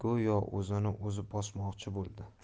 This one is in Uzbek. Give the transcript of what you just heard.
go'yo o'zini o'zi bosmoqchi bo'ldi